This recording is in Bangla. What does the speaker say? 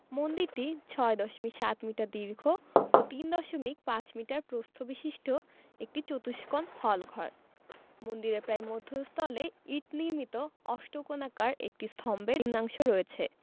মন্দিরটি ৬ দশমিক ৭ মিটার দীর্ঘ ও ৩ দশমিক ৫ মিটার প্রস্থ বিশিষ্ট একটি চতুষ্কোণ হলঘর মন্দিরের প্রায় মধ্যস্থলে ইট নির্মিত অষ্টকোণাকার একটি স্তম্ভের নিম্নাংশ রয়েছে